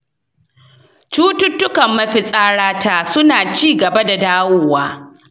cututtukan mafitsara ta su na cigaba da dawowa.